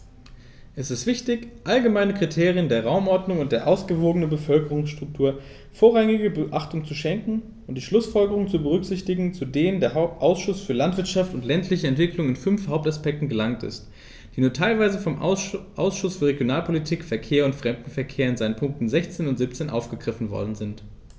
Es ist wichtig, allgemeinen Kriterien der Raumordnung und der ausgewogenen Bevölkerungsstruktur vorrangige Beachtung zu schenken und die Schlußfolgerungen zu berücksichtigen, zu denen der Ausschuss für Landwirtschaft und ländliche Entwicklung in fünf Hauptaspekten gelangt ist, die nur teilweise vom Ausschuss für Regionalpolitik, Verkehr und Fremdenverkehr in seinen Punkten 16 und 17 aufgegriffen worden sind.